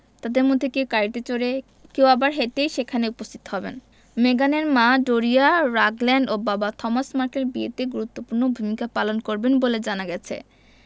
তাঁদের মধ্যে কেউ গাড়িতে চড়ে কেউ আবার হেঁটেই সেখানে উপস্থিত হবেন মেগানের মা ডোরিয়া রাগল্যান্ড ও বাবা থমাস মার্কেল বিয়েতে গুরুত্বপূর্ণ ভূমিকা পালন করবেন বলে জানা গেছে